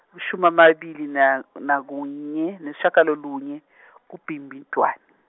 emashumi lamabili na- nakunye nesishiyagalolunye kuBhimbidvwane.